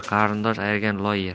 qarindosh ayirgan loy yer